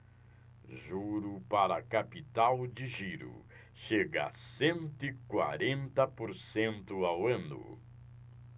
juro para capital de giro chega a cento e quarenta por cento ao ano